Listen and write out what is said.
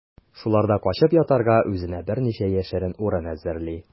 Шуларда качып ятарга үзенә берничә яшерен урын әзерли.